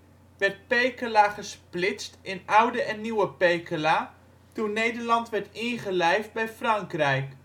Pekela gesplitst in Oude en Nieuwe Pekela, toen Nederland werd ingelijfd bij Frankrijk